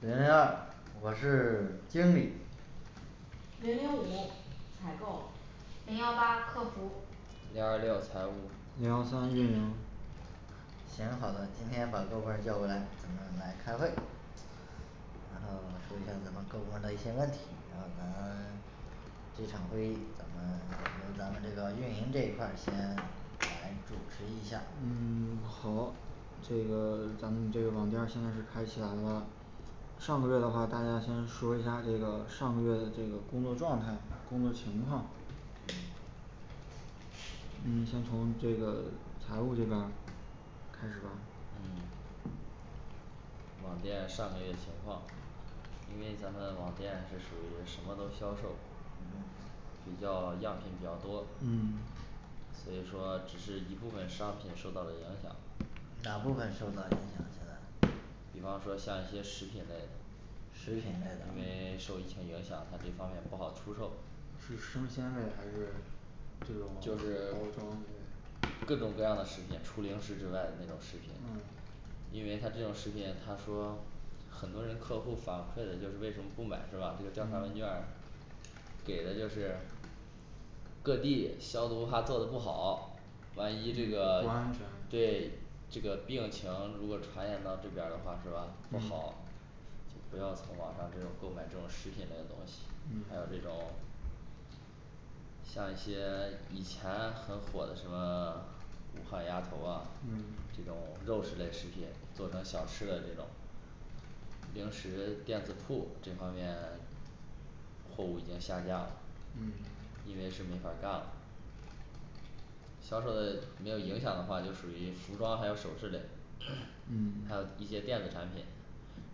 零零二我是经理零零五采购零幺八客服零二六财务零幺三运营行好的今天把各部门儿叫过来咱们来开会然后我们说一下咱们各部门儿的一些问题然后咱们这场会议咱们由咱们这个运营这一块儿先来主持一下嗯 好这个 咱们这个网站现在是开起来了上个月的话大家先说一下儿这个上个月这个工作状态工作情况嗯 嗯先从这个财务这边儿开始吧嗯网店上个月情况因为咱们网店是属于什么都销售比较样品比较多嗯所以说只是一部分商品受到了影响哪部分受到影响现在比方说像一些食品类的食品类因的为受疫情影响它这方面不好出售是生鲜类还是 这种就是包装类的各种各样的食品除零食之外的那种食品嗯因为它这种食品他说很多人客户反馈的就是为什么不买是吧因为调查问卷儿给的就是各地消毒怕做的不好万一这不个安全对这个病情如果传染到这边儿的话是吧不嗯好不要从网上这种购买这种食品类的东西还有这嗯种像一些以前很火的什么武汉鸭头啊嗯这种肉食类食品做成小吃嘞这种零食店子铺这方面货物已经下架了嗯因为是没法儿干了销售的没有影响的话就属于服装还有首饰类 嗯还有一些电子产品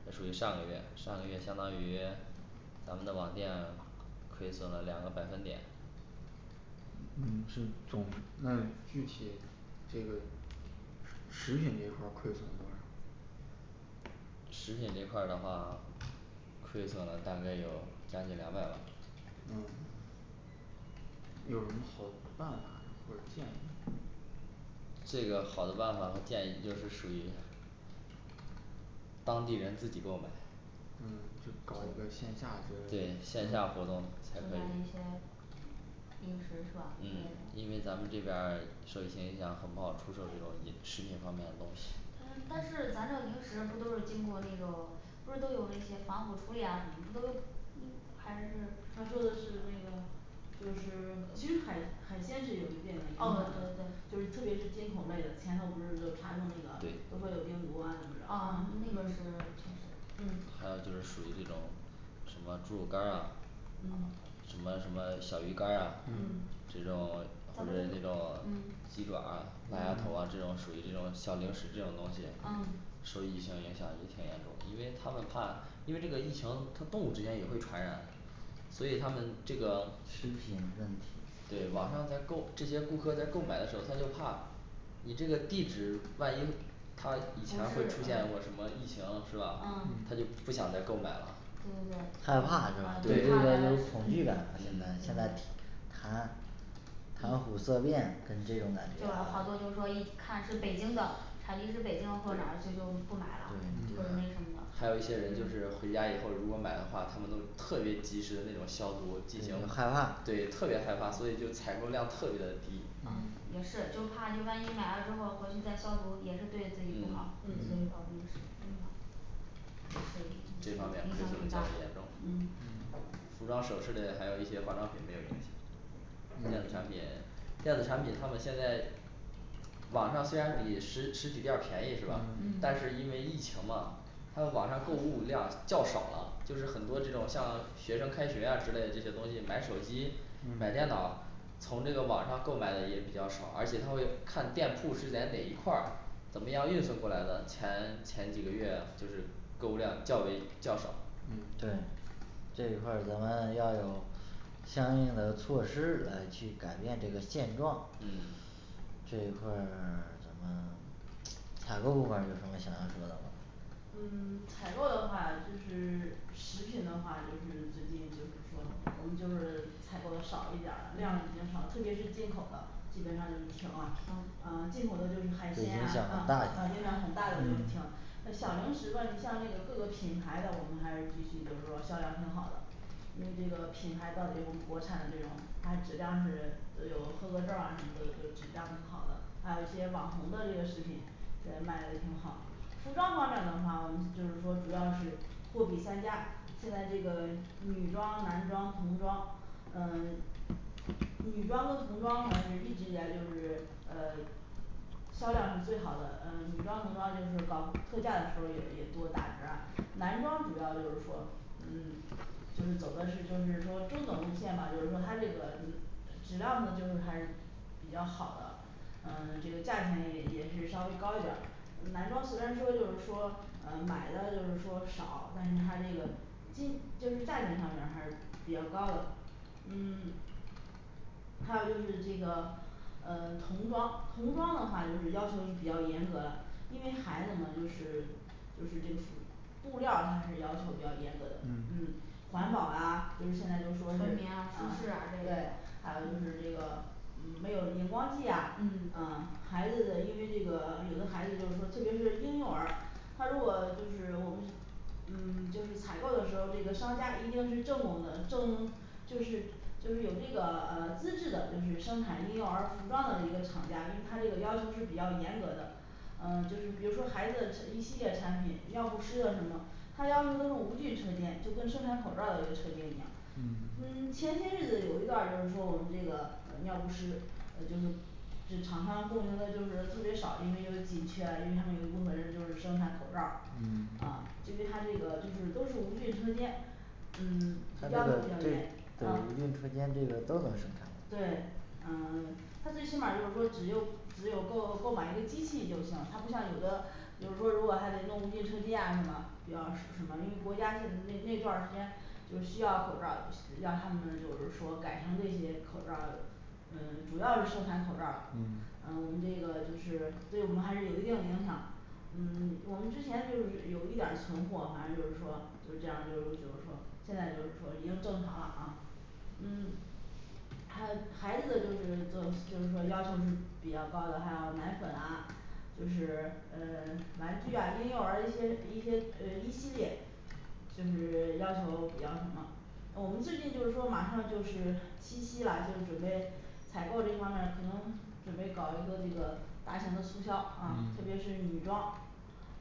这属于上个月上个月相当于咱们的网店亏损了两个百分点问题是总哎具体这个食品这块儿亏损多少食品这块儿的话亏损了大概有将近两百万嗯有什么好的办法或者建议这个好的办法和建议就是属于当地人自己购买嗯就搞一个就线下之类的对线下活动才就咱可那以些零食是吧对嗯因为有咱们这边儿受疫情影响很不好出售这种零 食品方面的东西但是但是咱这儿零食不都是经过那种不是都有那些防腐处理呀什么不都应还是他说的是那个就是 其实海海鲜是有一定的影响哦对的对对就是特别是进口类的前头不是就查出那个都说对有病毒啊怎么着哦啊那个是确实嗯嗯还有就是属于这种什么猪肉干儿啊嗯什么什么小鱼干儿呀嗯这种或咱者们这都种嗯鸡爪儿啊还有鸭嗯头啊这种属于这种小零食这种东西嗯嗯受疫情影响也挺严重因为他们怕因为这个疫情它动物之间也会传染所以他们这个食品问题对网上在购这些顾客在购买的时候他就怕你这个地址万一他不以前会出是现过什啊么疫情是吧啊他就不想再购买了对对害对怕嗯是吧对这个有恐惧感他现在对现在对谈谈虎地色变跟这对种感觉好啊多就是说一看是北京的产地是北京或者哪儿就就不买了或者那什么的还有一些人就嗯是回家以后如果买的话他们都特别及时的那种消毒进行害怕对特别害怕所以就采购量特别的低啊也是就怕就万一买了之后回去再消毒也是对自己不嗯好嗯也是对这方面亏损的影较响为很大严重的嗯服装首饰类的还有一些化妆品没有影响电子产品电子产品他们现在网上虽然比实实体店儿便宜是吧嗯但是因为疫情嘛它网上购物量较少了就是很多这种像学生开学呀之类的这些东西买手机买嗯电脑儿从这个网上购买的也比较少而且他会看店铺是在哪一块儿怎么样运送过来的前前几个月就是购物量较为较少嗯对这一块儿咱们要有相应的措施来去改变这个现状嗯这一块儿 咱们采购部门儿有什么想要说的吗嗯 采购的话就是食品的话就是最近就是说我们就是采购的少一点儿嗯了量已经少了嗯特别是进口的基本上就是停了停嗯进口的就是海就鲜影呀响很嗯大嗯影响很现大的就在停小零食吧你像那个各个品牌的我们还是继续就是说销量挺好的因为这个品牌到底我们国产的这种它质量是都有合格证儿啊什么都有都有质量挺好的还有一些网红的这个食品觉得卖的挺好服装方面儿的话我们就是说主要是货比三家现在这个女装男装童装嗯 女装跟童装好像是一直以来就是呃销量是最好的呃女装童装就是搞特价的时候儿也也多打折儿男装主要就是说嗯就是走的是就是说中等路线嘛就是说它这个呃质量上就是还是比较好的嗯这个价钱也也是稍微高一点儿男装虽然说就是说嗯买的就是说少但是它这个进就是价钱上面儿还是比较高的嗯 还有就是这个嗯童装童装的话就是要求是比较严格的因为孩子嘛就是就是这个服布料儿它是要求比较严格的嗯嗯环保啊就是现在就是说纯是棉啊对还有啊舒适啊这一类的就是这个没有荧光剂呀嗯啊孩子因为这个有的孩子就是说特别是婴幼儿他如果就是我们嗯 就是采购的时候儿这个商家一定是正宗的正就是就是有这个呃资质的就是生产婴幼儿服装的一个厂家因为它这个要求是比较严格的呃就是比如说孩子一系列产品尿不湿啊什么它要求都是无菌车间就跟生产口罩儿的一个车间一样嗯嗯前些日子有一段儿就是说我们这个呃尿不湿呃就是指厂商供应的就是特别少因为有紧缺因为他们有一部分人就是生产口罩儿呃嗯就因为它这个就是都是无菌车间嗯它，这要求个比较严，这呃无菌车间这个都能生产对呃 它最起码儿就是说只有只有购购买一个机器就行它不像有的比如说如果还得弄无菌车间呀什么比较什什么因为国家是那那段儿时间就是需要口罩儿让他们就是说改成这些口罩儿嗯主要是生产口罩儿了嗯呃我们这个就是对我们还是有一定影响嗯我们之前就是有一点儿存货，反正就是说就是这样就就是说现在就是说已经正常了啊嗯它孩子的就是个就是说要求是比较高的还有奶粉啊就是嗯玩具呀婴幼儿一些一些呃一系列就是要求比较什么我们最近就是说马上就是七夕了就是准备采购这方面儿可能准备搞一个这个大型的促销啊特别嗯是女装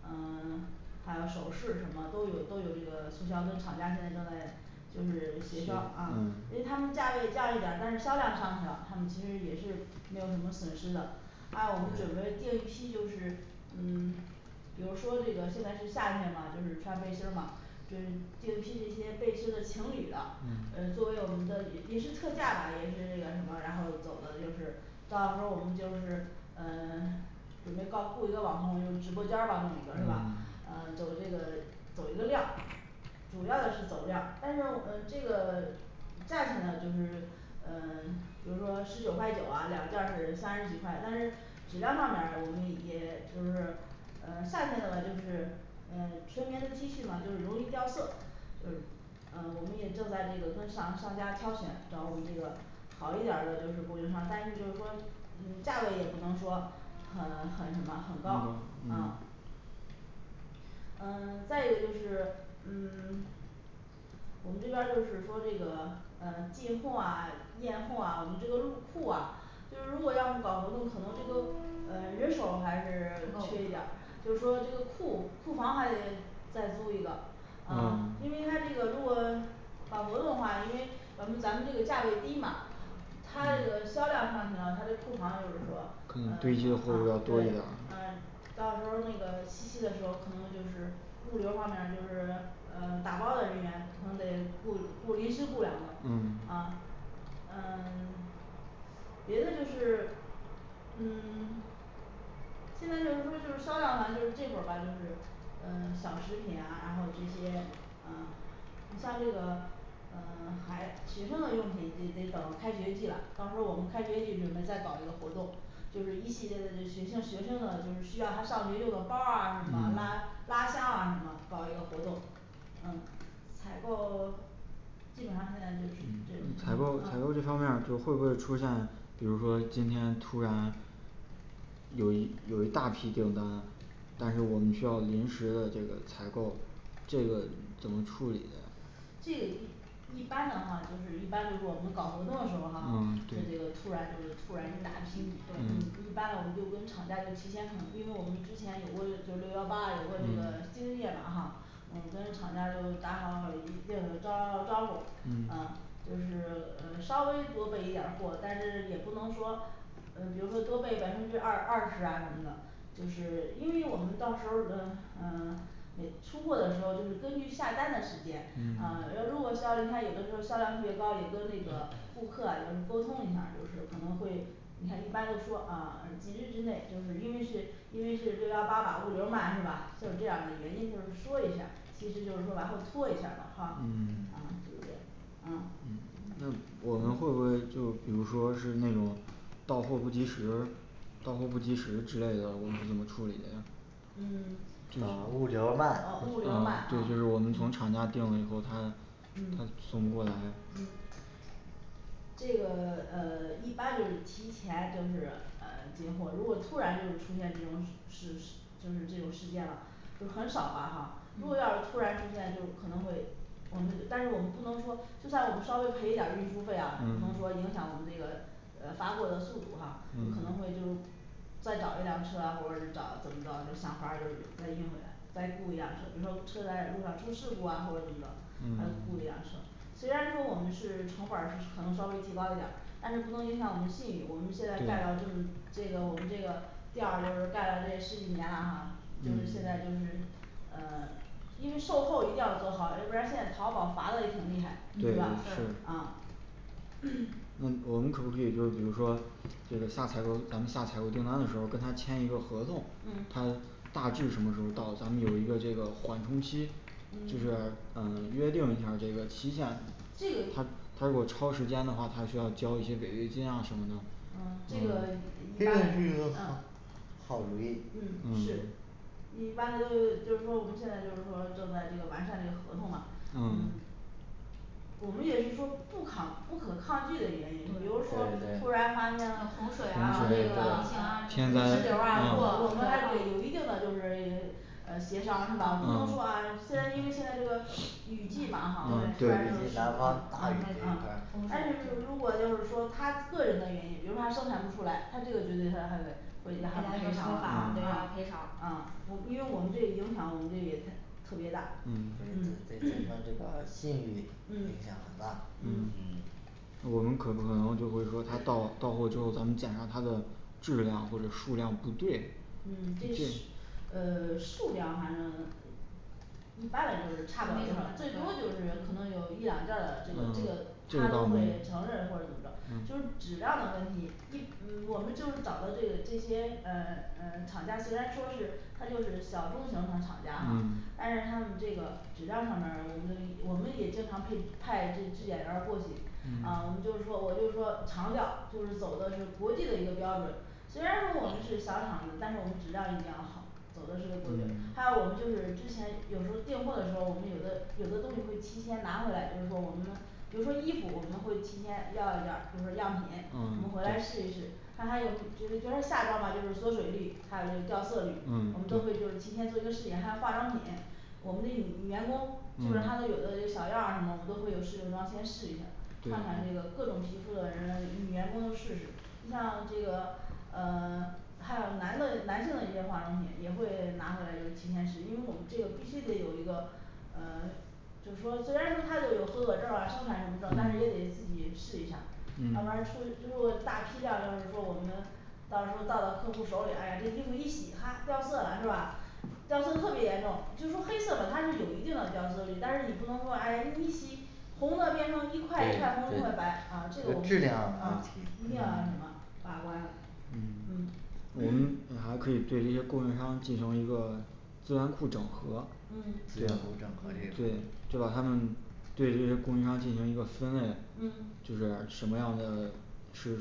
嗯 还有首饰什么都有都有这个促销跟厂家现在正在就是协商啊嗯因为他们价位降一点儿但是销量上去了他们其实也是没有什么损失的当然我们准备订一批就是嗯 比如说这个现在是夏天嘛就是穿背心儿嘛就是定一批这些背心儿的情侣的嗯呃作为我们的也也是特价吧也是这个什么然后走了就是到时候儿我们就是嗯 准备搞雇一个网红用直播间儿吧弄一个是吧嗯呃走这个走一个量主要的是走量但是呃这个价钱呢就是嗯比如说十九块九啊两件儿是三十几块但是质量上面儿我们也就是嗯夏天的嘛就是嗯纯棉的T恤嘛就是容易掉色就是呃我们也正在这个跟商商家挑选找我们这个好一点儿的就是供应商但是就是说嗯价位也不能说很很什么很很高高嗯嗯呃 再一个就是嗯 我们这边儿就是说这个嗯进货啊验货啊我们这个入库哇就是如果要是搞活动可能这个呃人手儿还是不够缺一点儿和就是说这个库库房还得再租一个嗯啊因为它这个如果搞活动的话因为咱们咱们这个价位低嘛它这个销量上去了它这库房就是说可能堆嗯积货物要啊多一对点儿嗯到时候儿那个七夕的时候儿可能就是物流方面儿就是呃打包的人员可能得雇雇临时雇两个嗯啊嗯 别的就是嗯 现在就是说就是销量上就是这会儿吧就是呃小食品啊然后这些呃不像这个嗯 还学生的用品得得等开学季了到时候儿我们开学季准备再搞一个活动就是一系列的这学生学生呢就是需要他上学用的包儿啊什么拉嗯拉箱啊什么搞一个活动嗯采购 基本上现在就是这种采购采购这情况啊方面儿就会不会出现比如说今天突然有一有一大批订单但是我们需要临时的这个采购这个怎么处理的呀这个一一般的话就是一般就是我们搞活动的时候哈它啊这个突然就是突然一大嗯批嗯对一般呢我们就跟厂家就提前可能因为我们之前有过就六幺八有过这个嗯经验嘛哈嗯跟厂家就打好这个招招呼儿嗯嗯就是呃稍微多备一点儿货但是也不能说呃比如说多备百分之二二十呀什么的就是因为我们到时候儿呃呃每出货的时候就是根据下单的时间嗯啊要如果说你看有的时候儿销量特别高也跟那个顾客有时候沟通一下儿就是可能会你看一般都说啊几日之内就是因为是因为是六幺八吧物流儿慢是吧就是这样儿的原因就是说一下儿其实就是说往后拖一下儿吧哈嗯就嗯 是这样嗯嗯那我们嗯会不会就比如说是那种到货不及时到货不及时之类的我们怎么处理的呀嗯 哦物流儿哦物流儿慢慢嗯啊对这就是我们从厂嗯家定了以后它他嗯送不过来嗯这个呃一般就是提前就是呃定货如果突然就是出现这种事事事就是这种事件了就很少吧哈如果要嗯是突然出现就可能会我们但是我们不能说就算我们稍微赔一点儿运输费啊不能嗯说影响我们这个呃发货的速度哈有可能会就是再找一辆车啊或者是找怎么着就想法儿就是再运回来再雇一辆车比如说车在路上出事故啊或者怎么着再雇一辆嗯车虽然说我们是成本儿是可能稍微提高一点儿但是不能影响我们信誉我们现在干到这个这个我们这个店儿就是干了这十几年了哈就是嗯现在就是嗯因为售后一定要做好要不然现在淘宝罚的也挺厉害是对吧嗯是是啊那我们可不可以就是比如说这个下采购咱们下采购订单的时候儿跟他签一个合同嗯他大致什么时候到咱们有一个这个缓冲期这个嗯嗯约定一下儿这个期限这他个他如果超时间的话他需要交一些违约金呀什么的嗯这个一这个般嘞是一嗯个好好主意嗯是嗯一般就是就是说我们现在就是说正在这个完善这个合同嘛嗯嗯我们也是说不抗不可抗拒的原因，比如对说对对突然发现了洪洪洪水水水呀啊那跟那对个疫个情天灾啊泥石对流嗯儿我们还得有一定的嗯就是呃协商是吧？不能说啊现在因为现在这个 雨季嘛哈，啊啊雨季对南风大而雨这块儿且就是如果就是说他个人的原因，比如说他生产不出来，他这个绝对它会给他一个赔说偿法啊对要赔啊偿啊，因为我们这影响我们这也太特别大嗯，嗯对这对咱 们这个信誉影嗯响很大嗯嗯我们可不可能就会说它到到货之后咱们检查它的质量或者数量不对嗯这是这呃 数量反正一般嘞就都没什么难的是差不了多少对最多就是可能有一两件儿的这个这啊个他都会承认或者怎么着就是嗯质量的问题一嗯我们就找到这个这些呃呃厂家虽然说是他就是小中型的厂家哈嗯但是它们这个质量上面儿我们我们也经常配派这质检员儿过去嗯啊我们就说我就说强调就是走的是国际的一个标准虽然说我们是小厂子但是我们质量一定要好走的是国标嗯还有我嗯们就是之前有时候儿订货的时候我们有的有的东西会提前拿回来就是说我们比如说衣服我们会提前要一件儿比如说样品我们回啊来试一试看看有没就是觉得夏装吧就是缩水率还有就是掉色率我嗯们都会就是提前做一个实验还有化妆品我们的女女员工基本它嗯的有的这些小样儿啊什么我都会有试用装先试一下儿看看这个各种皮肤的人女员工都试试你像这个呃 还有男的男性的一些化妆品也会拿回来就是提前试因为我们这个必须得有一个呃就说虽然说它就有合格证儿啊生产什么证但是也得自己试一下儿嗯要不然出之后大批量要是说我们到时候儿到到客户手里，哎呀这衣服一洗哈掉色了是吧掉色特别严重就是说黑色的它是有一定的掉色率但是你不能说哎呀衣服一洗红色变成一对对块一块红一块白啊，这这个我们质量上的问啊题一定要什么把关嗯嗯我们还可以对接供应商进行一个资源库整合嗯资源库整合这一块对儿这个他们对这些供应商进行一个分类嗯就是什么样的是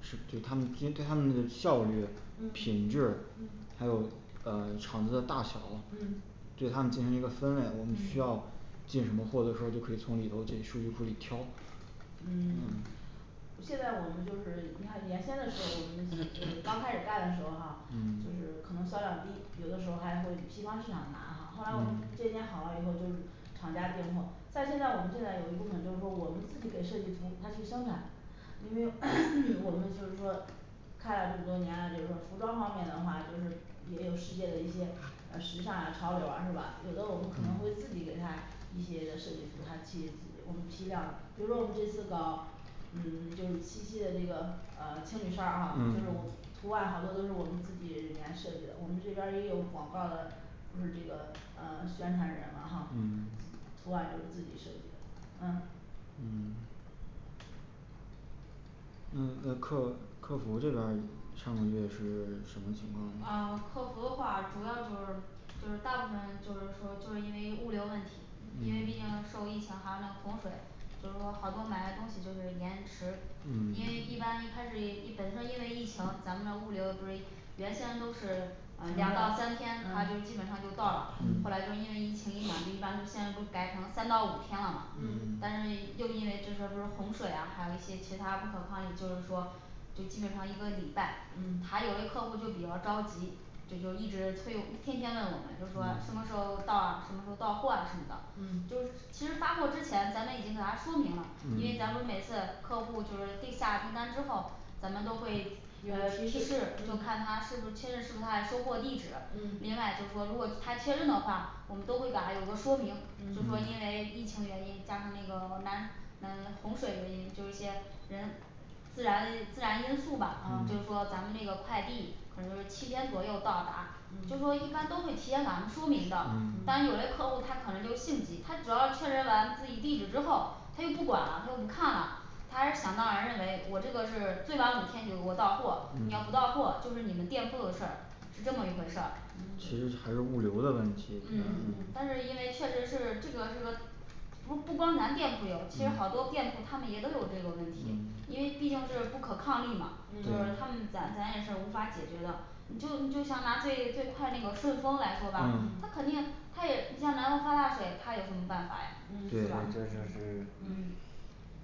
是就他们因为跟它们效率嗯品质嗯还有呃厂子的大小嗯对它们进行一个分类我们嗯需要进什么货的时候儿就可以从里头这数据库里挑嗯 现在我们就是你看原先的时候儿我们刚开始干的时候儿哈就嗯是可能销量低有的时候儿还会批发市场拿哈后来我们渐渐好了以后就是厂家订货但现在我们现在有一部分就是说我们自己给设计图他去生产因为 我们就是说开了这么多年啦就是说服装方面的话就是也有世界的一些啊时尚呀潮流儿啊是吧有的我们可能会自己给它一些的设计图它去我们批量比如说我们这次搞嗯就是七夕的这个呃情侣衫儿哈就是嗯我图案好多都是我们自己人员设计的我们这边儿也有广告儿的就是这个呃宣传人了哈嗯图案都是自己设计的嗯嗯嗯那客客服这边儿上个月是什么情况啊客服的话主要就是就是大部分就是说就因为物流问题因为毕竟受疫情还有那个洪水就是说所以说好多买的东西就是延迟嗯因为一般一开始疫 本身因为疫情咱们的物流不是原先都是呃两到三天它嗯就基本上就到了后嗯来就因为疫情影响就一般现在都改成三到五天了嘛嗯但是又因为这次不是洪水呀还有一些其它不可抗力就是说这基本上一个礼拜嗯他有嘞客户就比较着急就就一直催天天问我们就说什么时候到啊什么时候货啊什么的嗯就其实发货之前咱们已经给他说明了因嗯为咱不是每次客户儿就是订下订单之后咱们都会有有的提提示示就嗯看他是不是确认是不是他的收货地址嗯另外就是说如果他确认的话我们都会给他有个说明就嗯说因为疫情原因加上那个南嗯洪水原因就一些人自然因 自然因素吧就啊是说咱们那个快递可能就是七天左右到达就嗯是说一般都会提前给他们说明的嗯嗯但有嘞客户他可能就性急他只要确认完自己地址之后他就不管了他就不看了他还是想当然认为我这个是最晚五天就给我到货你要不嗯到货就是你们店铺的事儿是这么一回事儿其嗯实还是物流的问题嗯嗯嗯但是因为确实是这个是个不不光咱店铺有其实好嗯多店铺他们也都有这个问题因为毕竟是不可抗力嘛就是嗯他们咱咱也是无法解决的你就你就像拿最最快那个顺丰来说吧嗯嗯它肯定它也你像南方发大水它有什么办法呀对是对吧这就是嗯嗯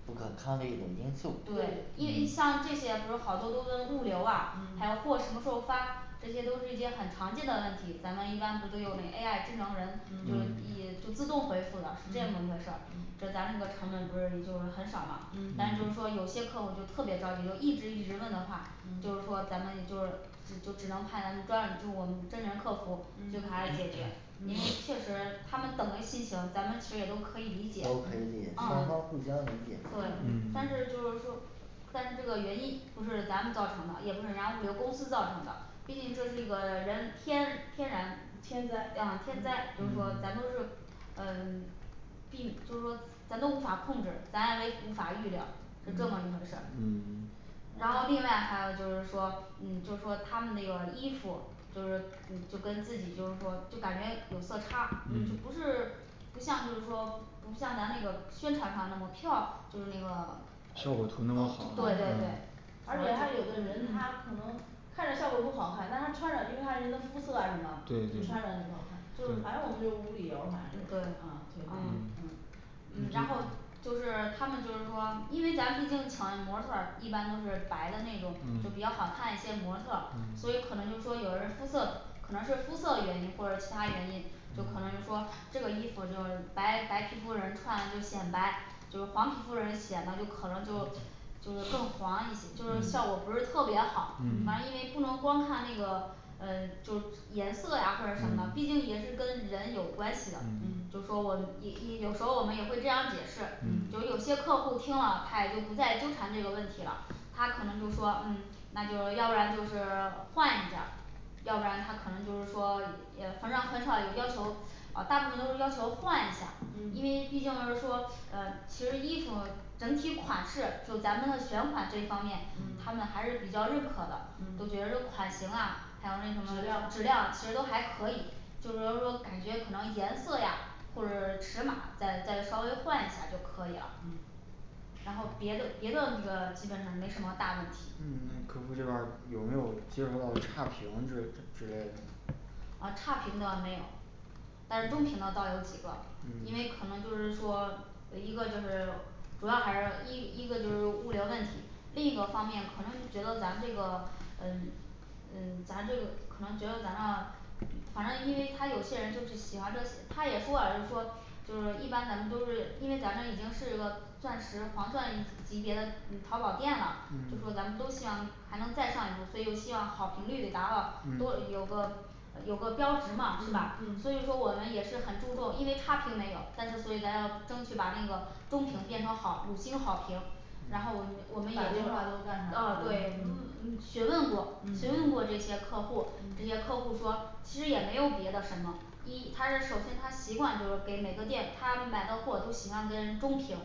不可抗力的因素对嗯因为像这些不是好多都问物流哇还嗯有货什么时候发这些都是一些很常见的问题咱们一般不都有那A I智能人就嗯一就自动回复了是这嗯么一回事儿这咱们的成本不是也就很少嘛嗯但就是说有些客户就特别着急就一直一直问的话就嗯是说咱们就是只就只能派咱们专人就我们真人客服就给嗯他解决因为嗯确实他们等的心情咱们其实也都可以都可理以解相理嗯解嗯双方互相理解对嗯嗯但是就是说但是这个原因不是咱们造成的也不是人家物流公司造成的毕竟这是一个人天天然天灾啊天灾就是说咱都是嗯 毕就是说咱都无法控制咱也为无法预料是这么嗯一回事儿嗯然后嗯另外还有就是说嗯就是说他们那个衣服就是嗯就跟自己就是说就感觉有色差就嗯不是不像就是说不像咱那个宣传上那么漂就是那个效果呃图那么好哦对对嗯嗯对而且他有的嗯人他嗯可能看着效果图好看但她穿着因为她人的肤色啊什么对对穿上就不好就是看反正我们就无理由儿反正是嗯对退换嗯嗯嗯嗯然后嗯就是她们就是说因为咱毕竟请嘞模特儿一般都是白的那种就比较嗯好看一些模特嗯所以可能说有人儿肤色可能是肤色原因或者其它原因就可能就说这个衣服就是白白皮肤人穿就显白就黄皮肤人显得就可能就就是更黄一些就是嗯效果不是特别好反正因嗯为不能光看那个呃就颜色呀或者什么的毕竟也是跟人有关系的嗯就说我们也也有时候我们也会这样解释嗯就有些客户听了她也就不再纠缠这个问题了她可能就说嗯那就要不然就是换一件儿要不然她可能就是说也也反正很少有要求哦大部分都是要求换一下因嗯为毕竟就是说呃其实衣服整体款式就咱们这选款这方面嗯他们还是比较认可的都觉嗯得这款型啊还有那什么质量质量其实都还可以就比方说感觉可能颜色呀或者尺码再再稍微换一下儿就可以了嗯然后别的别的那个基本上没什么大问题嗯客服这边儿有没有接收到差评之类之类的啊差评的没有但中评的倒有几个因嗯为可能就是说一个就是主要还有一一个就是物流问题另一个方面可能觉得咱们这个嗯嗯咱这个可能觉得咱哦反正因为她有些人就是喜欢这些她也说了就是说就是一般咱们都是因为咱呢已经是一个钻石黄钻级别的淘宝店了就说嗯咱们都希望还能再上一步所以都希望好评率得达到都嗯有个有个标值嗯嘛是吧所嗯以说我们也是很注重因为差评没有但是所以咱要争取把那个中评变成好五星好评然后我们 我们也打电就话都干呃啥对嗯嗯嗯嗯询问过询嗯问过这些客户这嗯些客户说其实也没有别的什么一他是首先他习惯就说给每个店他买的货都喜欢给中评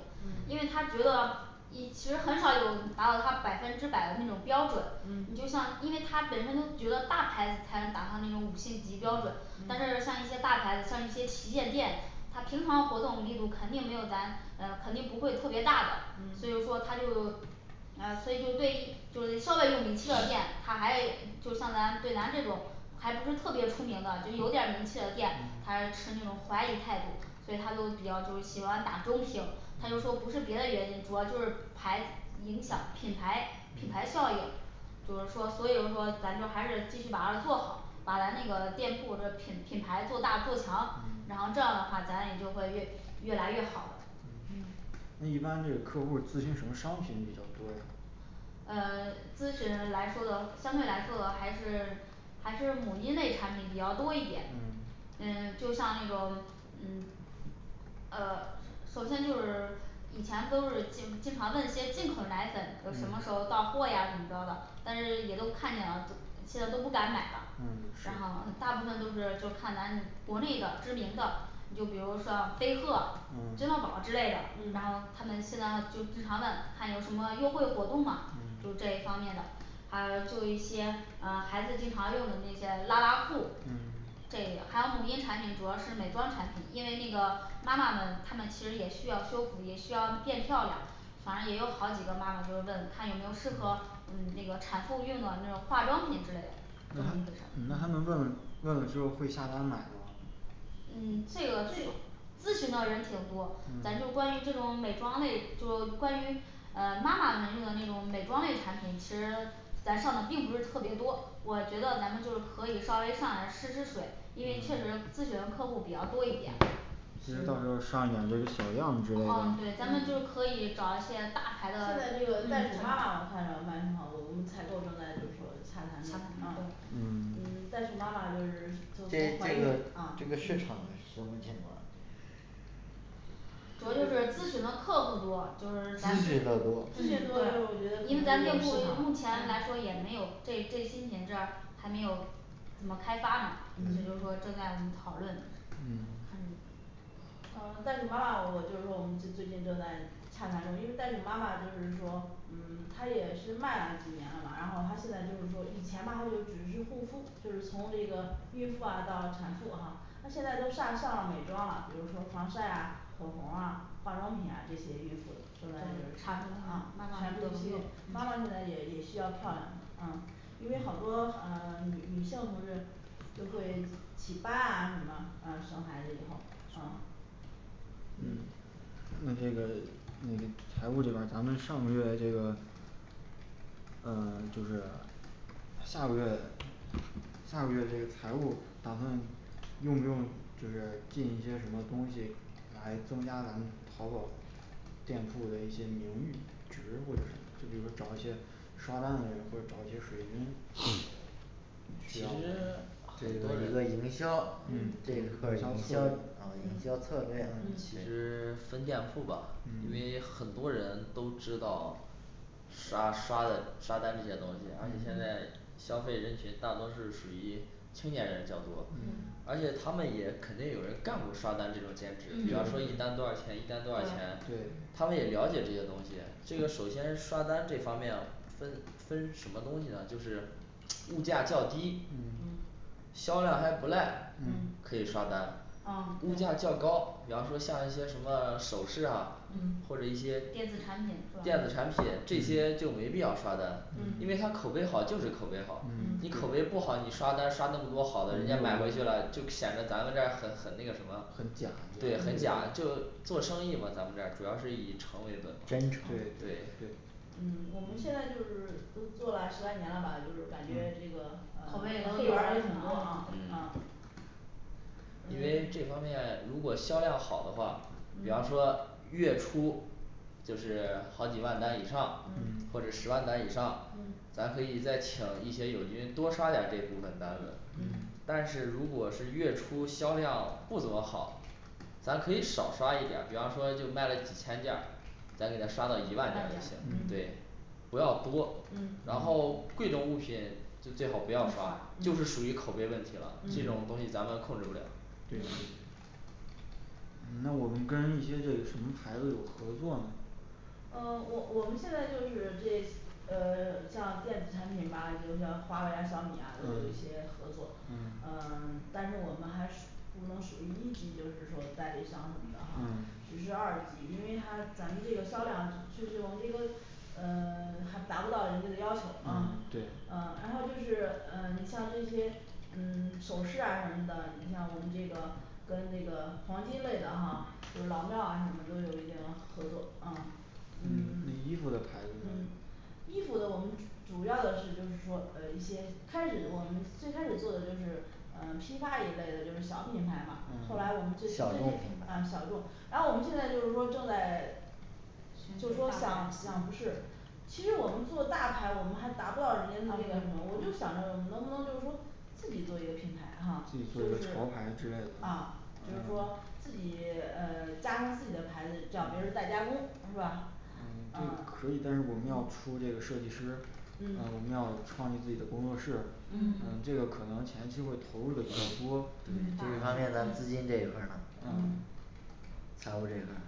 因为他觉得一其实很少有达到他百百分之百的那种标准嗯你就像因为他本身都觉得大牌子才达上那种五星级标准但嗯是像一些大牌子像一些旗舰店它平常活动力度肯定没有咱呃肯定不会特别大的所嗯以说她就啊所以就对于就是稍微有名气的店它还会就像咱对咱这种还不是特别出名的就有点儿名气的店嗯还持那种怀疑态度所以他就比较就喜欢打中评他就说不是别的原因主要就是牌影响品牌品牌效应就是说所以说咱就还是继续把它做好把咱那个店铺这品品牌做大做强然嗯后这样的话咱也就会越越来越好的嗯那一般这个客户儿咨询什么商品比较多呀呃 咨询来说的相对来说的还是还是母婴类产品比较多一点嗯嗯就像那种嗯呃首首先就是以前不都是经经常问一些进口奶粉就什么嗯时候到货呀怎么着的但是也都看见了就 现在都不敢买了嗯然后是大部分都是就看咱国内的知名的你就比如像飞鹤嗯君乐宝儿之类的然后嗯他们现在就经常问看有什么优惠活动吗就嗯这一方面的还有就一些啊孩子经常用的那些拉拉裤嗯这个还有母婴产品主要是美妆产品因为那个妈妈们她们其实也需要修复也需要变漂亮反正也有好几个妈妈就问看有没有适合嗯那个产妇用的那种化妆品之类的这么那她一回那事她儿们问问了之后会下单买吗嗯这个这咨询的人挺多咱嗯就关于这种美妆类就关于啊妈妈们用的那种美妆类产品，其实咱上的并不是特别多，我觉得咱们就可以稍微上点儿试试水，因为确实咨询的客户比较多一点其实到时候儿上一点这个小样之类的哦对咱们就嗯可以找一些现大牌的，在这个袋鼠妈妈嗯我看着卖的挺好，我我们采购正在就是说洽谈中洽啊谈的，对嗯 袋鼠妈妈就是就这从怀这孕个啊这个市场嗯什么情况主要就是咨询的客户多，就是咱们咨只询的嗯多咨询多的就是我觉得对，可因为咱能就店是铺目市场前来说也没有这这新品这儿还没有怎么开发呢，所以这就是说嗯正在我们讨论嗯看啊袋鼠妈妈我就说我们最最近正在洽谈中，因为袋鼠妈妈就是说嗯它也是卖了几年了吧，然后它现在就是说以前吧它就只是护肤，就是从这个孕妇啊到产妇哈那现在都上上了美妆了，比如说防晒呀、口红啊、化妆品啊，这些孕妇的就正在是产妇们啊妈妈全们都部系能用列妈妈嗯们呢也也需要漂亮嗯因为好多嗯女女性同志就会起斑啊什么嗯生孩子以后嗯嗯那这个那财务这边儿咱们上个月这个嗯就是下个月下个月这个财务打算用不用就是进一些什么东西，来增加咱们淘宝店铺的一些名誉植入了什么，就比如说找一些刷单的人或者找一些水军 其实这很是一多个人营销嗯这一营块儿销营销策略啊营嗯销策略嗯其实分店铺吧因为很多人都知道刷刷的刷单这些东西，而且现在嗯消费人群大多是属于青年人较多嗯而且他们也肯定有人干过刷单这种兼职，比方嗯说一单多少钱一单多少对钱，对他们也了解这个东西，这个首先刷单这方面分分什么东西呢？就是物价较低嗯嗯销量还不赖嗯可以刷单啊物价较高，比方说像一些什么首饰啊，嗯或者一些电子产品一些是电子产吧，品这些就没必要刷单，因为嗯它口碑好就是口碑好嗯，你口碑不好，你刷单刷那么多好的，人家买回去了，就显得咱们这儿很很那个什么很假这对很假，就做生意嘛咱们这儿主要是以诚为本真诚对对嗯我们现在就是都做了十来年了吧，就是感觉这个口会碑也员都有儿了也什挺多啊么啊嗯对嗯因为嗯这方面如果销量好的话，比方嗯说月初就是好几万单以上嗯或者十万单以上嗯，咱可以再请一些友军多刷点儿这一部嗯分单子嗯但是如果是月初销量不怎么好咱可以少刷一点儿，比方说就卖了几千件儿，咱给它刷到一一万万件件儿儿就行对嗯不要多嗯，然后贵重物品就最好不不要要刷刷，就是嗯属于口碑问题了，这种嗯东西咱们控制不了。 对对嗯那我们跟一些这个什么牌子有合作呢嗯我我们现在就是这呃 像电子产品吧，就像华为呀小米呀嗯都有一些嗯合作嗯呃 但是我们还需 不能属于一级，就是说代理商什么的哈嗯，只是二级，因为它咱们这个销量确实我们这个嗯 还达不到人家的要求啊嗯对嗯，然后就是嗯你像这些嗯首饰啊什么的，你像我们这个跟那个黄金类的哈就老庙啊什么都有一定的合作嗯那嗯衣服的牌子呢嗯衣服的我们主要的是就是说呃一些开始我们最开始做的就是呃批发一类的就是小品牌嘛，后来我们就是最小众品近哎牌小众，然后我们现在就是说正在其实就就是是说大想牌想不是其实我们做大牌，我们还达不到人家那个什么，我就想着我们能不能做出自己做一个品牌哈自就己做一是个潮牌之类的啊就是说自己呃加上自己的牌子叫别人儿代加工是吧？嗯都嗯可以但是我们要嗯出一个设计师呃我嗯们要创立自己的工作室那么嗯嗯这个可能前期会投入的比较多对这一方面咱资金这一块儿呢嗯财务这一块儿呢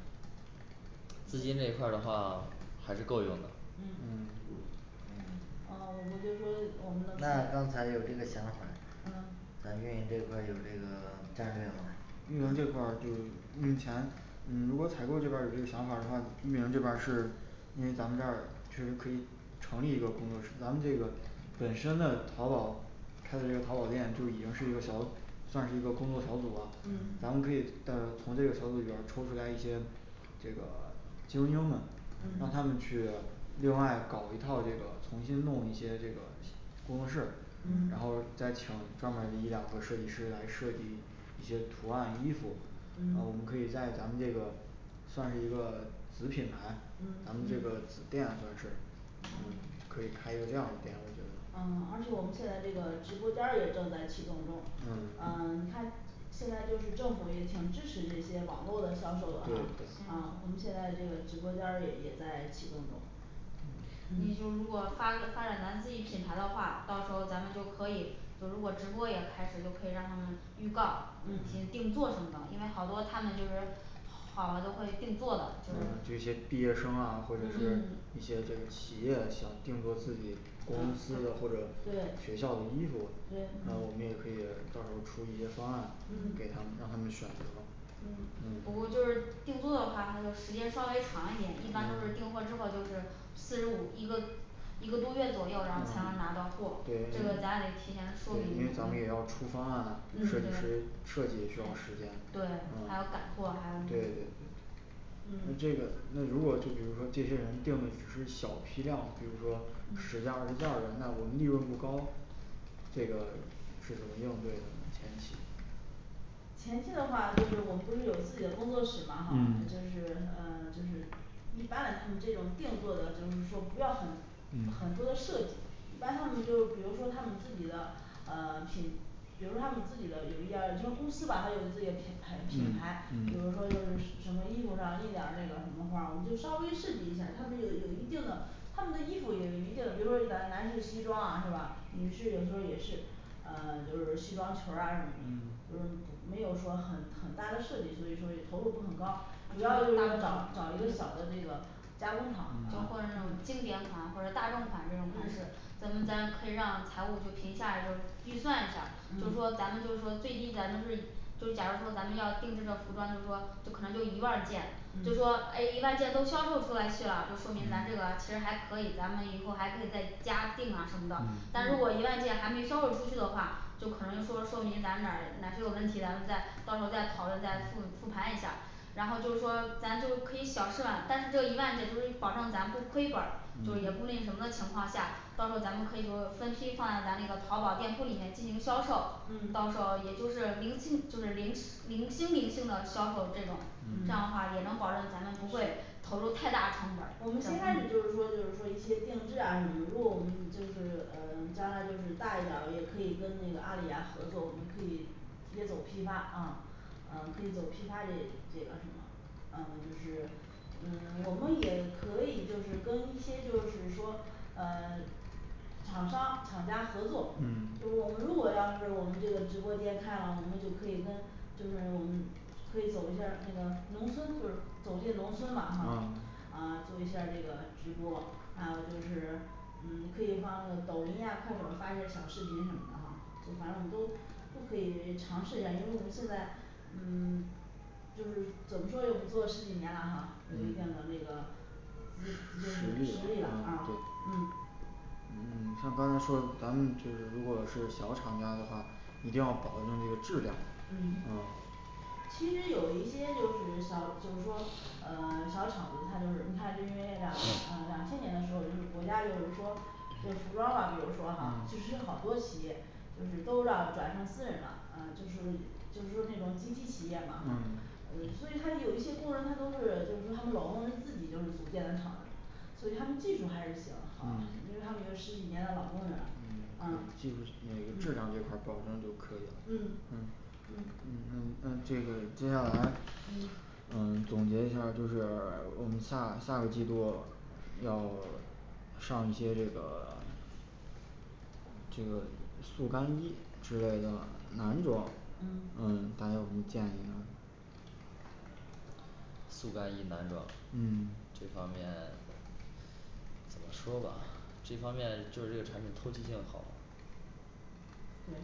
资金这一块儿的话还是够用嗯嗯嗯啊我们就说我们的那刚才有这个想法儿嗯咱运营这一块儿有这个战略吗刚运营这块儿就目前嗯如果采购这边儿有这想法儿的话，运营这边儿是因为咱们这儿是可以成立一个工作室咱们这个本身的淘宝，开一个淘宝店就已经是个小组算是一个工作小组了嗯咱们可以呃从这个小组里边儿抽出来一些这个精英们，让嗯他们去另外搞一套这个重新弄一些这个工作室嗯然后再请专门儿一两个设计师来设计一些图案衣服呃我们嗯可以在咱们这个算是一个子品牌嗯，咱们这嗯个子店算是嗯可以开一个这样的店我觉得嗯而且我们现在这个直播间儿也正在启动中嗯呃，你看现在就是政府也挺支持这些网络的销售的哈对啊，我行们现在这个直播间儿里也在启动中你就嗯如果发个发展咱自己品牌的话，到时候咱们就可以就如果直播也开始就可以让他们预告嗯先定做什么的，因为好多他们就是好了都会定做的嗯，就是嗯就一些毕业生啊或者是嗯嗯一些这个企业想订做自己公啊司的或者对学校的衣服对，然后我们也可以到时候儿出一些方案给嗯嗯他们，让他们选择。嗯不过就是定做的话它就时间稍微长一点，一般都是订货之后就是四十五一个一个多月左右然后才能拿到货，这对个咱得提前说因明为嗯咱们也要出方案设嗯计师对设计需要时间对还要赶货还要那个对对对对那嗯这个那如果就比如说这些人定的只是小批量，比如说嗯十件儿二十件儿的，那我们利润不高这个是怎么应对的前期前期的话就是我们不是有自己的工作室嘛哈嗯就是啊就是一般来说这种定做的就是说不要很很嗯多的设计，一般他们就比如说他们自己的呃 品比如他们自己的有一点儿就公司吧还有自己的品品 品嗯牌，比嗯如说就是什么衣服上印点儿那个什么花儿，我们就稍微设计一下儿，他们有有一定的他们的衣服有一定的比如咱男男士西装啊是吧？ 女士有时候儿也是啊 就是西装裙儿啊什么嗯就是不没有说很很大的设计，所以说也投入不很高大大众，主要就是找找一个小对的这个加工厂啊就或者那种嗯经典款或者大众款这种款式，嗯咱们咱可以让财务就凭下一周预算一下儿，就说嗯咱们就说最低咱们是以就是假如说咱们要定制这服装，就说这可能就一万件就说嗯哎一万件都销售出来去了，就说明咱这个其实还可以咱们以后还可以再加定啊什么的，但嗯如果嗯一万件还没销售出去的话，就可能说说明咱们哪儿哪些有问题的，咱们再到时候再讨论再复复盘一下儿然后就说咱就可以小试嘛但是这一万件就是保证咱不亏本儿就是也不嗯那个什么情况下，到时候儿咱们可以就说分批放在咱那个淘宝店铺里面进行销售嗯，到时候也就是零星就是零零星零星的销售这种这嗯样话也能保证咱们不会是投入太大成本儿我们先开始就是说就是说一些定制呀什么，如果我们就是啊将来就是大一点儿了也可以跟那个阿里呀合作，我们可以也走批发啊啊可以走批发这这个什么，啊就是嗯 我们也可以就是跟一些就是说嗯 厂商厂家合作嗯就是我们如果要是我们这个直播间开了，我们就可以跟就是我们可以走一下儿那个农村就是，走进农村吧啊哈啊做一下儿这个直播，还有就是嗯可以发那个抖音呀快手发一些小视频什么的哈，反正我们都都可以尝试一下，因为我们现在 嗯 就是怎么说，我们做了十几年了哈，有一定的那个就是实就是实力力了了啊对嗯你你像刚才说咱们就是如果是小厂家的话，一定要保证这个质量嗯啊其实有一些就是小就是说啊 小厂子它就是你看最近两呃两千年的时候，就是国家就是说就服装吧，比如哈嗯确实有好多企业就是都让转成私人了，啊就是就是说那种集体企业嘛哈嗯呃所以他有一些工人，他都是就是说他们老工人自己就是组建了厂子所以他们技术还是行，好，嗯因为他们有十几年的老工人了啊技术那个质量嗯这一块儿保障就可以了嗯嗯。嗯嗯嗯那这个接下来嗯呃总结一下儿就是我们下下个季度要 上一些这个 这个速干衣之类的男装嗯嗯大家有什么建议呢速干衣男装嗯这方面怎么说吧这方面就是这个产品透气性好吗。对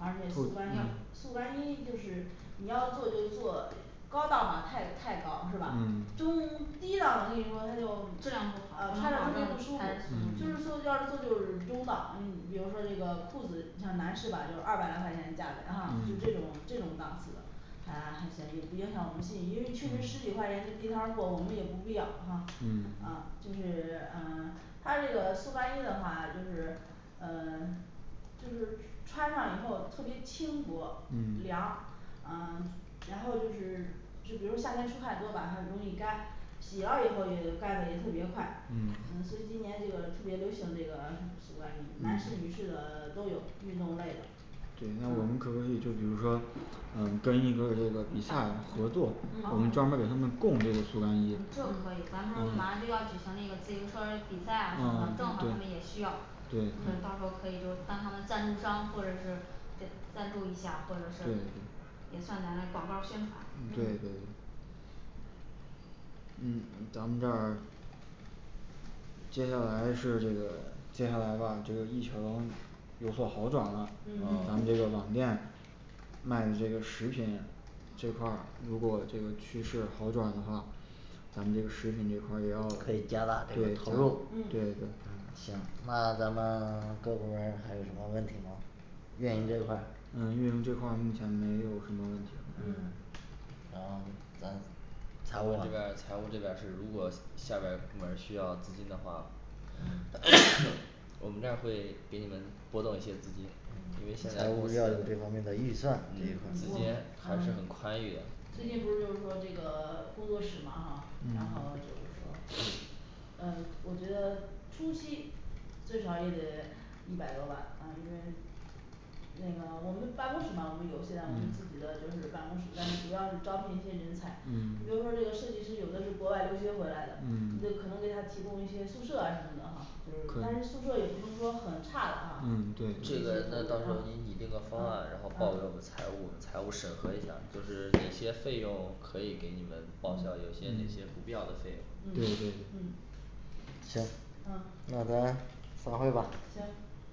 而且速速度干衣，嗯速干衣就是你要做就做高档吧太太高是吧嗯？中低档我跟你说它就，质量不好啊它就特不别能保不证舒服它就是是嗯做就要做就是中档比如说这个裤子你像男式吧就是二百来块钱价位哈嗯就这种这种档次的还还行，也不影响我们信誉，因为确实十几块钱的地摊儿货我们也不必要哈嗯啊就是呃它这个速干衣的话，就是嗯 就是穿上以后特别轻薄嗯凉嗯然后就是就比如夏天出汗多吧它容易干洗了以后也干的也特别快嗯嗯，所以今年这个特别流行这个什么速干衣男士女士的，都有运动类的啊对，那我们可不可以就比如说嗯跟一个这个比赛合作嗯，我们专门儿给他哦们供这个速干衣这可嗯以，咱不是马上就要举行那个自行车比赛啊什啊么的，正好对他们也需要可能到对时候可以就当他们赞助商或者是赞 赞助一下，或者对是对也算咱的广告宣传对对对嗯嗯咱们这儿接下来是这个接下来吧这个疫情有所好转了嗯嗯咱们这个网店卖的这个食品这块儿如果这个趋势好转的话咱们这食品这块儿也要可以加大这个对投投入入。对嗯对行那，咱们 各部门儿还有什么问题吗运营这块儿呃运营这块儿目前没有什么问题了嗯嗯然后咱财财务务这边儿财务这边儿是如果下边儿部门儿需要资金的话，我们这儿会给你们拨动一些资金特别现在财务要有这方面的预算这一嗯块资金嗯儿我还是很啊宽裕的最近不是就是说这个工作室嘛哈，然后就是说嗯我觉得初期最少也得一百多万啊，因为那个我们办公室嘛我们有现在我们自嗯己的就是办公室，但是主要是招聘一些人才，你比嗯如说这个设计师有的是国外留学回来的，你就可嗯能给他提供一些宿舍啊什么的哈就是但是宿舍也不能说很差的，嗯哈对这个到到时候儿啊你拟定个方案，啊然后报给我们啊财务我们财务审核一下儿就是哪些费用，可以给你们报销嗯有些哪些嗯不必要的费对用对嗯对嗯行嗯那咱们散会吧行